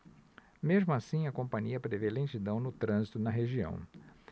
mesmo assim a companhia prevê lentidão no trânsito na região